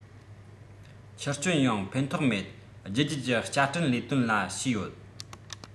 ཆུ སྐྱོན ཡང ཕན ཐོགས མེད བརྒྱད བརྒྱད ཀྱི བསྐྱར སྐྲུན ལས དོན ལ བྱས ཡོད